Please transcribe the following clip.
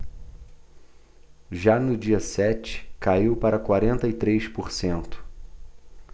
já no dia sete caiu para quarenta e três por cento